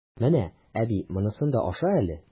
Менә, әби, монсын да аша әле!